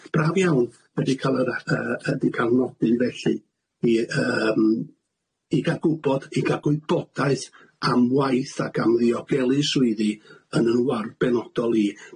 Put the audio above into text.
Braf iawn ydi ca'l yr yy ydi ca'l nodyn felly i yym i ga'l gwbod- i ga'l gwybodaeth am waith ac am ddiogelu swyddi yn 'yn ward benodol i.